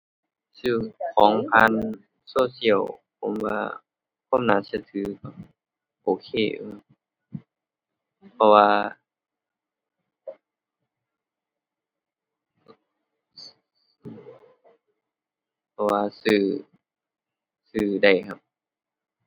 ซื้อของผ่านโซเชียลผมว่าความน่าเชื่อถือก็โอเค เพราะว่า เพราะว่าซื้อ ซื้อได้ครับ